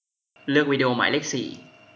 เลือกวิดีโอหมายเลขสี่